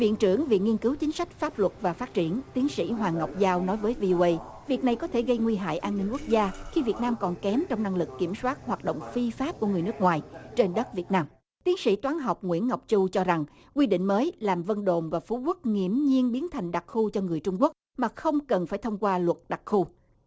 viện trưởng viện nghiên cứu chính sách pháp luật và phát triển tiến sĩ hoàng ngọc giao nói với vi ô ây việc này có thể gây nguy hại an ninh quốc gia khi việt nam còn kém trong năng lực kiểm soát hoạt động phi pháp của người nước ngoài trên đất việt nam tiến sĩ toán học nguyễn ngọc chu cho rằng quy định mới làm vân đồn và phú quốc nghiễm nhiên biến thành đặc khu cho người trung quốc mà không cần phải thông qua luật đặc khu